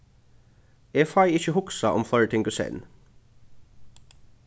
eg fái ikki hugsað um fleiri ting í senn